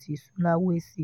ti Sulawesi: